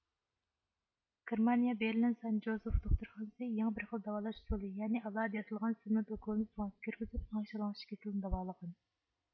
گېرمانىيە بېرلىن سان جوزىف دوختۇرخانىسى يېڭى بىر خىل داۋالاش ئۇسۇلى يەنى ئالاھىدە ياسالغان سېمونت ئوكۇل نى سۆڭەككە كىرگۈزۈپ سۆڭەك شالاڭلىشىش كېسىلىنى داۋالىغان